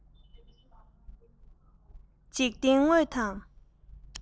འཇིག རྟེན དངོས དང